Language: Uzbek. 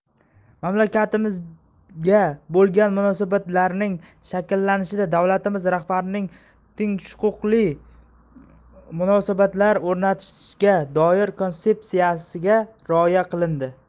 mamlakatimizga bo'lgan munosabatlarning shakllanishida davlatimiz rahbarining tenghuquqli munosabatlar o'rnatishga doir kontseptsiyasiga rioya qilindi